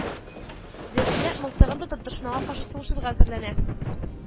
Зәйтүнә, мылтыгын тотып, дошманга каршы сугышырга әзерләнә